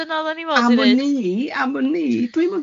Dyna oddan ni'n fod i neud?